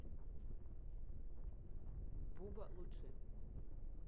буба лучшее